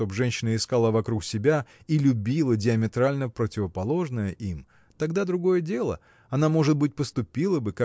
чтоб женщина искала вокруг себя и любила диаметрально противоположное им – тогда другое дело она может быть поступила бы